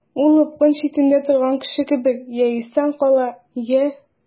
Ул упкын читендә торган кеше кебек— я исән кала, я...